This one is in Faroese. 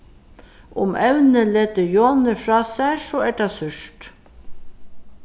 um evnið letur jonir frá sær so er tað súrt